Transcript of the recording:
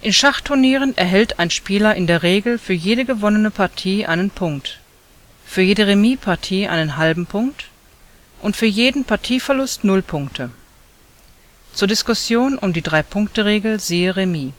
Schachturnieren erhält ein Spieler in der Regel für jede gewonnene Partie einen Punkt, für jede Remispartie einen halben Punkt und für jeden Partieverlust null Punkte. (Zur Diskussion um die Drei-Punkte-Regel siehe Remis